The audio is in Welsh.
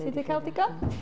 Ti 'di cael digon?